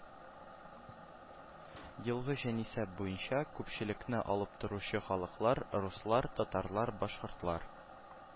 Елгы җанисәп буенча күпчелекне алып торучы халыклар: руслар, татарлар, башкортлар